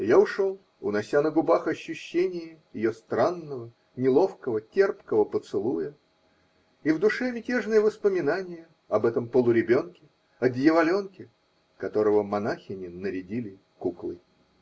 И я ушел, унося на губах ощущение ее странного, неловкого, терпкого поцелуя -- и в душе мятежное воспоминание об этом полуребенке, о дьяволенке, которого монахини нарядили куклой.